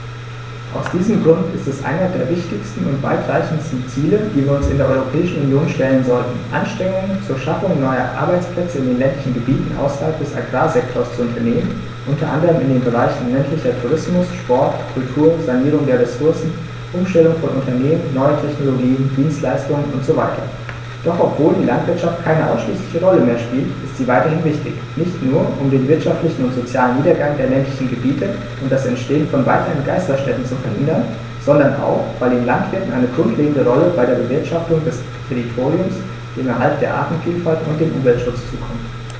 Aus diesem Grund ist es eines der wichtigsten und weitreichendsten Ziele, die wir uns in der Europäischen Union stellen sollten, Anstrengungen zur Schaffung neuer Arbeitsplätze in den ländlichen Gebieten außerhalb des Agrarsektors zu unternehmen, unter anderem in den Bereichen ländlicher Tourismus, Sport, Kultur, Sanierung der Ressourcen, Umstellung von Unternehmen, neue Technologien, Dienstleistungen usw. Doch obwohl die Landwirtschaft keine ausschließliche Rolle mehr spielt, ist sie weiterhin wichtig, nicht nur, um den wirtschaftlichen und sozialen Niedergang der ländlichen Gebiete und das Entstehen von weiteren Geisterstädten zu verhindern, sondern auch, weil den Landwirten eine grundlegende Rolle bei der Bewirtschaftung des Territoriums, dem Erhalt der Artenvielfalt und dem Umweltschutz zukommt.